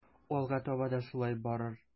Алга таба да шулай барыр.